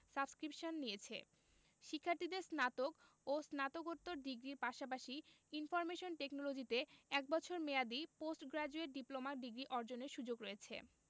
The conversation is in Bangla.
সাবস্ক্রিপশান নিয়েছে শিক্ষার্থীদের স্নাতক ও স্নাতকোত্তর ডিগ্রির পাশাপাশি ইনফরমেশন টেকনোলজিতে এক বছর মেয়াদি পোস্ট গ্রাজুয়েট ডিপ্লোমা ডিগ্রি অর্জনের সুযোগ রয়েছে